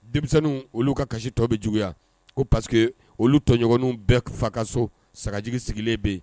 Denmisɛnw olu ka kasi tɔw bɛ juguya ko paseke que olu tɔɲɔgɔn bɛɛ faga ka so sagajigi sigilen bɛ yen